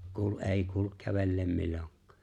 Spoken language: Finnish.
kuuli ei kuulu kävelleen milloinkaan